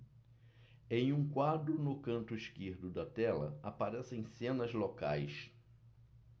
em um quadro no canto esquerdo da tela aparecem cenas locais